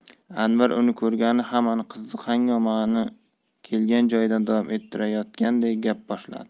anvar uni ko'rgani hamon qiziq hangomani kelgan joyidan davom ettirayotganday gap boshladi